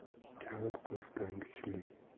kalit qulfdan kuchli